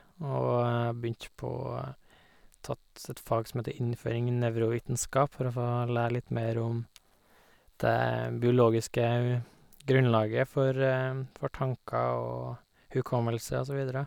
Og jeg begynte på tatt et fag som heter innføring i nevrovitenskap, for å få lære litt mer om det biologiske grunnlaget for for tanker og hukommelse og så videre.